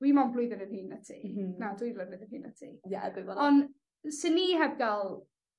dwi'm ond blwyddyn yn hŷn na ti. Mhm. Na dwy flynedd yn hŷn na ti. Ie ac wy fel... On' se ni heb ga'l